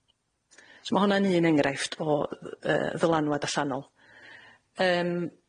So ma' hon'na'n un enghraifft o yy ddylanwad allanol. Yym.